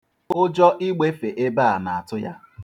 ̣Ụjọ igbefe ebe a na-atụ ya.